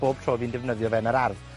bob tro 'yf fi'n defnyddio fe yn yr ardd.